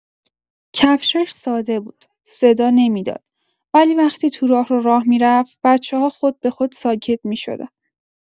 کفشاش ساده بود، صدا نمی‌داد، ولی وقتی تو راهرو راه می‌رفت، بچه‌ها خودبه‌خود ساکت می‌شدن.